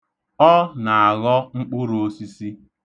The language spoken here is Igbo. Ọ na-aghọ mkpụrụosisi.